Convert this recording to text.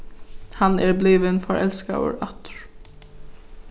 hann er blivin forelskaður aftur